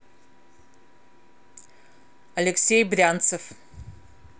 алексей брянцев